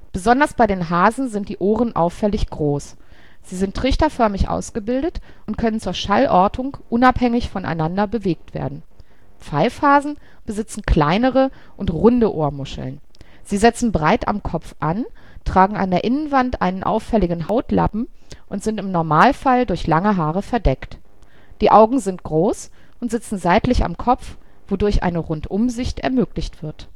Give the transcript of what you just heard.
Besonders bei den Hasen sind die Ohren auffällig groß. Sie sind trichterförmig ausgebildet und können zur Schallortung unabhängig voneinander bewegt werden. Pfeifhasen besitzen kleinere und runde Ohrmuscheln. Sie setzen breit am Kopf an, tragen an der Innenwand einen auffälligen Hautlappen und sind im Normalfall durch lange Haare verdeckt. Die Augen sind groß und sitzen seitlich am Kopf, wodurch eine Rundumsicht ermöglicht wird